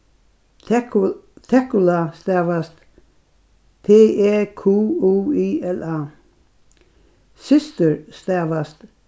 stavast t e q u i l a systir stavast